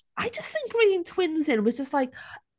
I just think bringing twins in was just like...